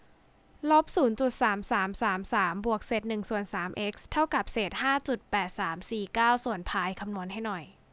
ลบศูนย์จุดสามสามสามสามบวกเศษหนึ่งส่วนสามเอ็กซ์เท่ากับเศษห้าจุดแปดสามสี่เก้าส่วนพายคำนวณให้หน่อย